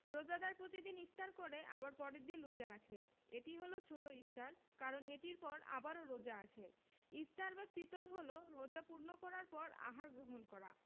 রোজাদার প্রতিদিন ইফতার করে আবার পরের দিন রোজা রাখে এটি হলো ছোট ইফতার কারণ এটির পর আবারও রোজা আসে ইফতার বা ফিতর হলো রোজা পূর্ণ করার পর আহার গ্রহণ করা